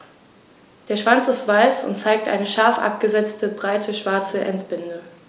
Der Schwanz ist weiß und zeigt eine scharf abgesetzte, breite schwarze Endbinde.